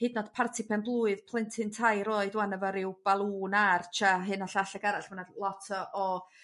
hyd 'n o'd parti pen-blwydd plentyn tair oed 'wan efo ryw baloon arch a hyn a llall ag arall ma' 'an lot o o